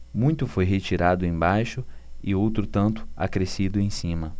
muito foi retirado embaixo e outro tanto acrescido em cima